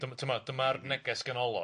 Dym- ti'bod dyma'r neges ganolog.